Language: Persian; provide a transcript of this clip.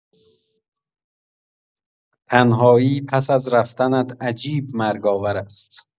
تنهایی پس از رفتنت عجیب مرگ‌آور است.